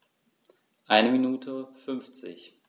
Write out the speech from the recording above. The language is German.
Eine Minute 50